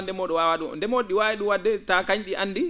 ndemoo?o waawaa ?um ndemoo?o ?i waawi ?um wa?de ta kañ ?i anndi